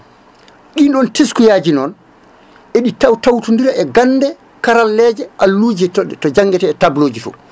ɗiɗon teskuyaji noon eɗi tawtawtodira e gande karalleje alluje to jangguete e tableau ji to